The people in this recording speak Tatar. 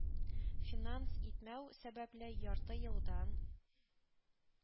Финанс итмәү сәбәпле, ярты елдан